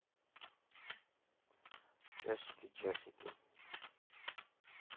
часики часики